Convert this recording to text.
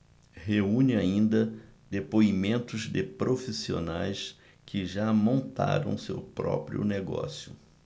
reúne ainda depoimentos de profissionais que já montaram seu próprio negócio